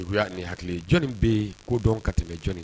U y'a ni hakili jɔnni bɛ yen kodɔn ka tɛmɛ jɔnni